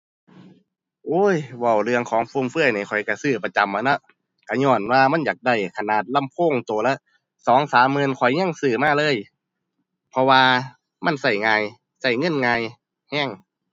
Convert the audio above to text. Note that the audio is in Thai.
โอ้ย เว้าเรื่องของฟุ่มเฟือยนี่ข้อยก็ซื้อประจำอะนะ ก็ญ้อนว่ามันอยากได้ ขนาดลำโพงก็ละสองสามหมื่นข้อยยังซื้อมาเลย เพราะว่ามันก็ง่าย ก็เงินง่ายก็